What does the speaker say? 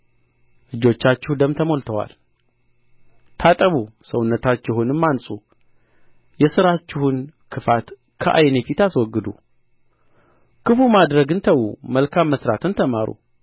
እጆቻችሁ ደም ተሞልተዋል ታጠቡ ሰውነታችሁንም አንጹ የሥራችሁን ክፋት ከዓይኔ ፊት አስወግዱ ክፉ ማድረግን ተዉ መልካም መሥራትን ተማሩ